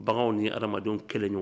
Bagan ni hadamadenw kelen ɲɔgɔn